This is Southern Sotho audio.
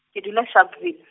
ke dula Sharpeville.